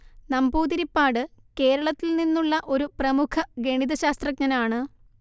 നമ്പൂതിരിപ്പാട്കേരളത്തിൽ നിന്നുള്ള ഒരു പ്രമുഖ ഗണീതശാസ്ത്രജ്ഞനാണ്